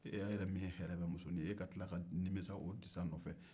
e yɛrɛ min ye hɛɛrɛlamuso ye e ka tila ka nimisa o disa nɔ fɛ